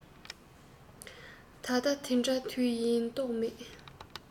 ད ལྟའི དེ འདྲ དེ དུས ཡིན མདོག མེད